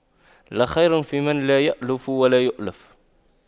لا خير فيمن لا يَأْلَفُ ولا يؤلف